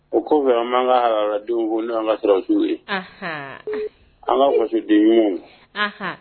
O kɔfɛ an b'an ka halaladenw fo n'o y'an ka sɔrɔdasiw ye, anhan, an ka fasoden ɲumanw, anhan